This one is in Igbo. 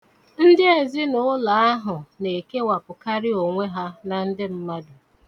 Ndị ezinụụlọ ahụ na-ekewapụkarị onwe na ndị mmadụ.